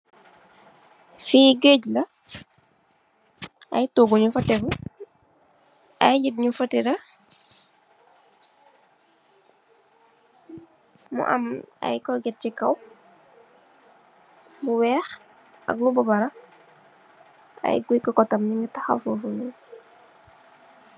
Fi geeg la ay toguh nyung fa tegu. Ay nit nyung fa teda, mu am ay corget ci kaw lu weex ak bu baxa ak ay koket nyung fa.